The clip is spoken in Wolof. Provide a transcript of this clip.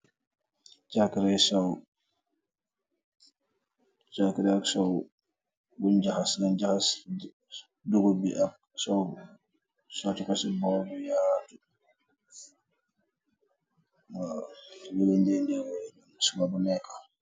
Chaakere ak sow bu njaxas na jaxas dugub bi ak sow soti xoci boolbu yaatu waw li lang deendeewuwee suba bu nekka.